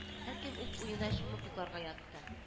Һәркем үз уена чумып йокларга ятты